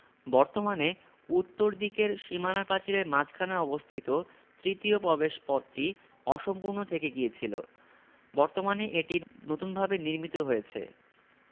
বর্তমানে উত্তর দিকের সীমানা প্রাচীরের মাঝখানে অবস্থিত তৃতীয় প্রবেশপথটি অসম্পূর্ণ থেকে গিয়েছিল বর্তমানে এটি নতুনভাবে নির্মিত হয়েছে